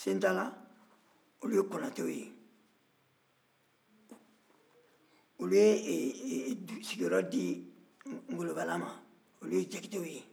sintala olu ye konatɛw ye olu ye sigiyɔrɔ di e e ngolobala ma olu ye jakitew ye